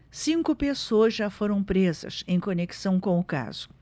cinco pessoas já foram presas em conexão com o caso